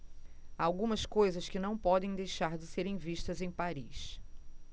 há algumas coisas que não podem deixar de serem vistas em paris